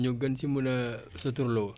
waaw si gàttal daal comme waxtu baa ngi dem